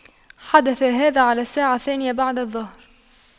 حدث هذا على الساعة الثانية بعد الظهر